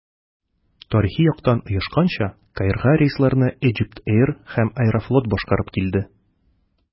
Тарихи яктан оешканча, Каирга рейсларны Egypt Air һәм «Аэрофлот» башкарып килде.